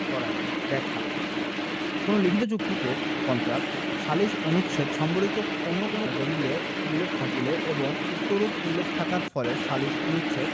করে না ব্যাখ্যাঃ কোন লিখিত চুক্তিতে কন্ট্রাক্ট সালিস অনুচ্ছেদ সম্বলিত অন্য কোন দালিলের উল্লেখ থাকিলে এবং উক্তরূপ উল্লেখ থাকার ফলে সালিস অনুচ্ছেদ